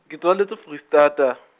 ke tswaletse Foreistata.